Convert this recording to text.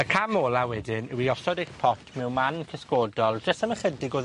Y cam ola wedyn yw i osod eich pot mewn man cysgodol jyst ym ychydig o